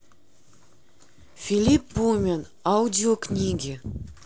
филипп пумен аудиокниги